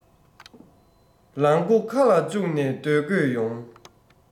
ལག མགོ ཁ ལ བཅུག ནས སྡོད དགོས ཡོང